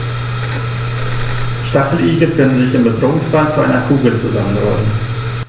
Stacheligel können sich im Bedrohungsfall zu einer Kugel zusammenrollen.